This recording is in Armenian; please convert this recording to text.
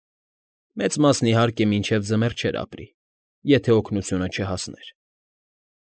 Մեծ մասն, իհարկե, մինչև ձմեռ չէր ապրի, եթե օգնությունը չհասներ։